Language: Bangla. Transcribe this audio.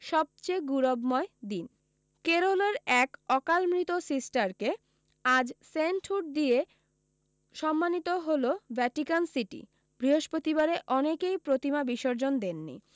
সবচেয়ে গুরবময় দিন কেরলের এক অকালমৃত সিস্টারকে আজ সেন্টহুড দিয়ে সম্মানিত হল ভ্যাটিক্যান সিটি বৃহস্পতিবারে অনেকই প্রতিমা বিসর্জন দেননি